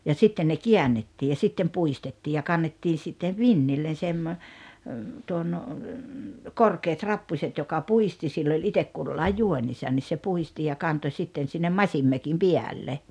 ja sitten ne käännettiin ja sitten puistettiin ja kannettiin sitten vintille - tuon korkeat rappuset joka puisti sillä oli itse kullakin juonissa niin se puhdisti ja kantoi sitten sinne masinmökin päälle